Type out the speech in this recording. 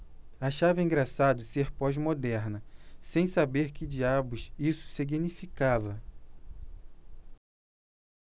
achava engraçado ser pós-moderna sem saber que diabos isso significava